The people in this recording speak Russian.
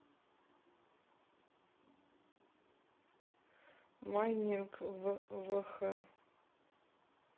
майнинг в вх